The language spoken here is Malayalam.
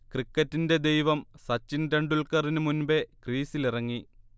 'ക്രിക്കറ്റിന്റെ ദൈവം' സച്ചിൻ ടെൻഡുൽക്കറിന് മുൻപേ ക്രീസിലിറങ്ങി